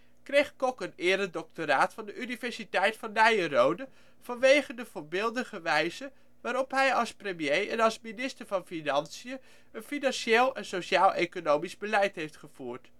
kreeg Kok een eredoctoraat van de Universiteit Nyenrode vanwege de " voorbeeldige wijze waarop hij als premier en als minister van Financiën een financieel en sociaal-economisch beleid heeft gevoerd